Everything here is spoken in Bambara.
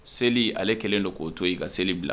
Seli ale kɛlen don k'o to yen i ka seli bila